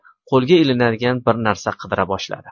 qo'lga ilinadigan bir narsa qidira bosh ladi